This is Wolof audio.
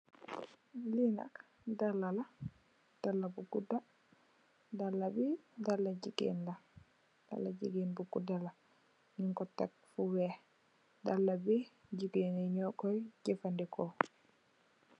Lii nak daalah la, daalah bu gudah, daalah bii daalah gigain la, daalah gigain bu gudah la, njung kor tek fu wekh, daalah bii gigain njii njur koi jeufandehkor.